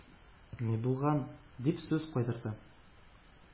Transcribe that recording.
-ни булган?-дип сүз кайтарды.